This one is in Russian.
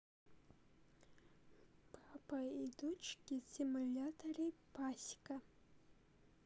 папа и дочки в симуляторе пасека